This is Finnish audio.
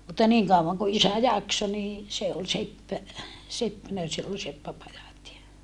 mutta niin kauan kuin isä jaksoi niin se oli seppä seppänä sillä oli seppäpajat ja